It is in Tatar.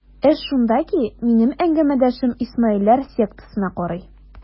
Эш шунда ки, минем әңгәмәдәшем исмаилләр сектасына карый.